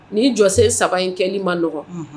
Ni' jɔsen saba in kɛ' ma n nɔgɔ